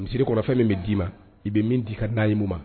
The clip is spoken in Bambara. Misisiririkɔrɔfɛn min bɛ d'i ma i bɛ min di'i ka naanianimu ma